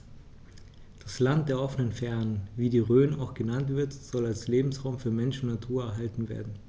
Das „Land der offenen Fernen“, wie die Rhön auch genannt wird, soll als Lebensraum für Mensch und Natur erhalten werden.